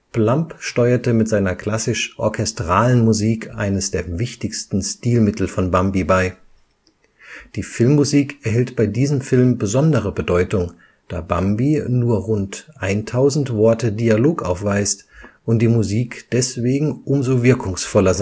Plumb steuerte mit seiner klassisch-orchestralen Musik eines der wichtigsten Stilmittel von Bambi bei. Die Filmmusik erhält bei diesem Film besondere Bedeutung, da Bambi nur rund eintausend Worte Dialog aufweist und die Musik deswegen umso wirkungsvoller